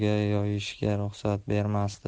yoyishga ruxsat bermasdi